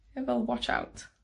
Ia, fel watch out.